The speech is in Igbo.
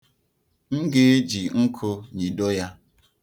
M ga-eji nkụ nyịdo ya.